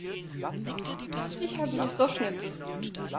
Ich habe Lust auf Schnitzel.